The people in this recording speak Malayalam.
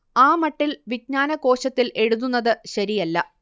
ആ മട്ടിൽ വിജ്ഞാനകോശത്തിൽ എഴുതുന്നത് ശരിയല്ല